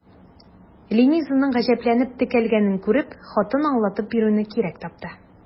Ленизаның гаҗәпләнеп текәлгәнен күреп, хатын аңлатып бирүне кирәк тапты.